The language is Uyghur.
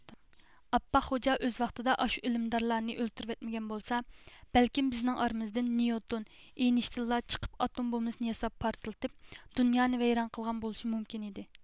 ئاپئاق غوجا ئۆز ۋاقتىدا ئاشۇ ئىلىمدارلارنى ئۆلتۈرىۋەتمىگەن بولسا بەلكىم بىزنىڭ ئارىمىزدىن نىيوتون ئېينىشتىيىنلار چىقىپ ئاتوم بومبىسى ياساپ پارتلىتىپ دۇنيانى ۋەيران قىلغان بولۇشى مۇمكىن ئىدى